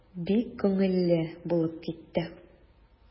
Бик күңелле булып китте.